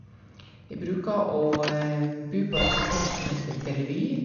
Vi bruker å bo på et hotell som heter BelleVue.